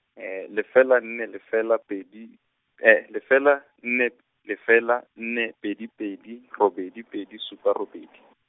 e lefela nne lefela lefela pedi, e lefela nne, lefela nne, pedi pedi robedi pedi supa robedi.